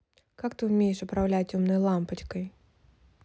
как ты умеешь управлять умной лампочкой